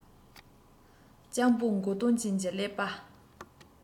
སྤྱང པོ མགོ སྟོང ཅན གྱི ཀླད པ